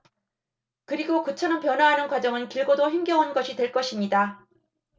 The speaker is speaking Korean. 그리고 그처럼 변화하는 과정은 길고도 힘겨운 것이 될 것입니다